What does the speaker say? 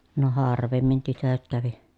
no harvemmin tytöt kävi